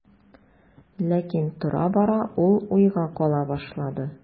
Ләкин тора-бара ул уйга кала башлады.